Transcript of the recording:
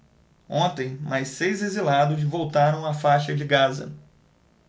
ontem mais seis exilados voltaram à faixa de gaza